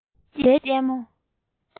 སྒྱུ རྩལ གྱི ལྟད མོ